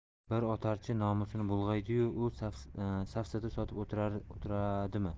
bir otarchi nomusini bulg'aydi yu u safsata sotib o'tiradimi